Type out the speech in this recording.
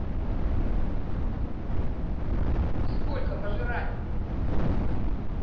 сколько пожирателей